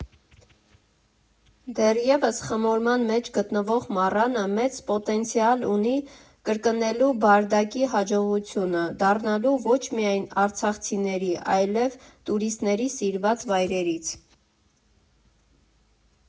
Դեռևս խմորման մեջ գտնվող «Մառանը» մեծ պոտենցիալ ունի կրկնելու «Բարդակի» հաջողությունը, դառնալու ոչ միայն արցախցիների, այլև տուրիստների սիրված վայրերից։